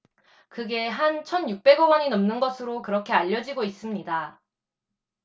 그게 한 천 육백 억 원이 넘는 것으로 그렇게 알려지고 있습니다